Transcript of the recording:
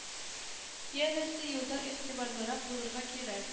Янәсе юлда игътибарлырак булырга кирәк